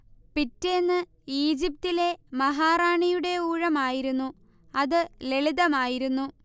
പിറ്റേന്നു ഈജിപ്തിലെ മഹാറാണിയുടെ ഊഴമായിരുന്നു അതു ലളിതമായിരുന്നു